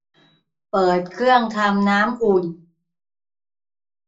เปิดเครื่องทำน้ำอุ่น